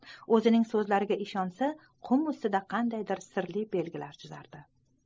qum ustida qandaydir sirli belgilar chizar edi